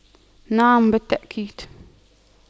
نعم بالتأكيد